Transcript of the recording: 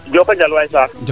Njoko njal waay Sarr